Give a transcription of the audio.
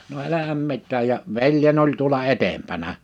no eihän mitään ja veljeni oli tuolla edempänä